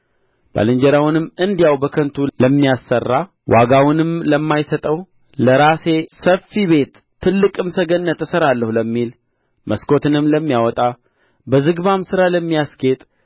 ባልንጀራውንም እንዲያው በከንቱ ለሚያሠራ ዋጋውንም ለማይሰጠው ለራሴ ሰፊ ቤት ትልቅም ሰገነት እሠራለሁ ለሚል መስኮትንም ለሚያወጣ በዝግባም ሥራ ለሚያሳጌጥ